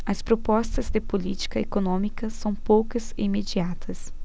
as propostas de política econômica são poucas e imediatas